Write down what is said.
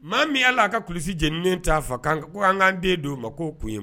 Maa min hal'a ka kulusi jeninnen t'a fa k'an ŋ ko an ŋ'an den d'o ma k'o kun ye